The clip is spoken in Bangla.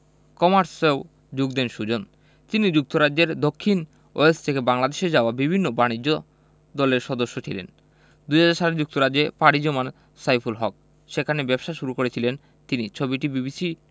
কমার্সেও যোগ দেন সুজন তিনি যুক্তরাজ্যের দক্ষিণ ওয়েলস থেকে বাংলাদেশে যাওয়া বিভিন্ন বাণিজ্য দলের সদস্য ছিলেন ২০০০ সালে যুক্তরাজ্যে পাড়ি জমান সাইফুল হক সেখানে ব্যবসা শুরু করেছিলেন তিনি ছবিটি বিবিসি